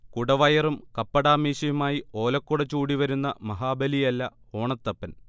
കുടവയറും കപ്പടാമീശയുമായി ഓലക്കുട ചൂടിവരുന്ന മഹാബലിയല്ല ഓണത്തപ്പൻ